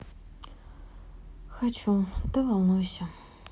хочу ты волнуйся